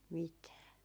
mitään